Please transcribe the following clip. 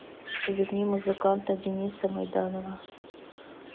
верни музыканта дениса майданова